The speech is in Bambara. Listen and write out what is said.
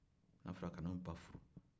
n'a fɔra ka na o ba furu